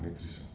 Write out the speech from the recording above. nutrition